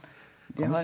vi har.